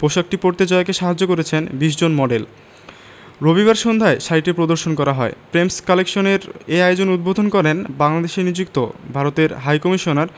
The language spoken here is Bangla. পোশাকটি পরতে জয়াকে সাহায্য করেছেন ২০ জন মডেল রবিবার সন্ধ্যায় শাড়িটি প্রদর্শন করা হয় প্রেমস কালেকশনের এ আয়োজন উদ্বোধন করেন বাংলাদেশে নিযুক্ত ভারতের হাইকমিশনার